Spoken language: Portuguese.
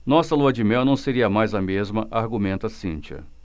nossa lua-de-mel não seria mais a mesma argumenta cíntia